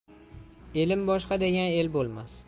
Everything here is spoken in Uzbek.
elim boshqa degan el bo'lmas